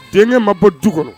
Den ma bɔ dukoro